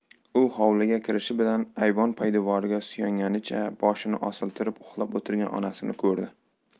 u hovliga kirishi bilan ayvon poydevoriga suyanganicha boshini osiltirib uxlab o'tirgan onasini ko'rdi